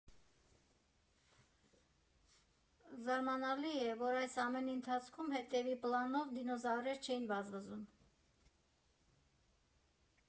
(Զարմանալի է, որ այս ամենի ընթացքում հետևի պլանում դինոզավրեր չէին վազվզում)։